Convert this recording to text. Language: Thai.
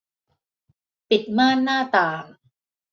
ปิดม่านหน้าต่าง